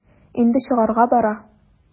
Инде чыгарга бара.